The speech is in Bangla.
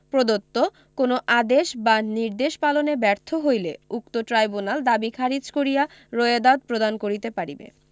প্রদত্ত কোন আদেশ বা নির্দেশ পালনে ব্যর্থ হইলে উক্ত ট্রাইব্যুনাল দাবী খারিজ করিয়া রোয়েদাদ প্রদান করিতে পারিবে